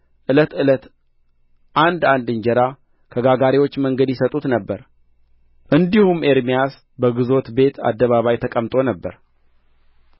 ዕለት ዕለት አንድ አንድ እንጀራ ከጋጋሪዎች መንገድ ይሰጡት ነበር እንዲሁም ኤርምያስ በግዞት ቤት አደባባይ ተቀምጦ ነበር